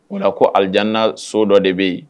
O la ko alijanna so dɔ de bɛ yen